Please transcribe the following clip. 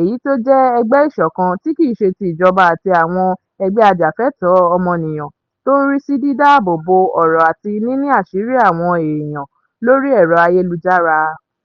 èyí tó jẹ́ ẹgbẹ́ ìsọ̀kan tí kìí ṣe ti ìjọba àti àwọn ẹgbẹ́ ajàfẹ́tọ̀ọ́ ọmọniyàn tó ń rí sí dídá ààbò bo ọ̀rọ̀ àti níní àṣírí àwọn èèyàn lórí ẹ̀rọ ayélujára.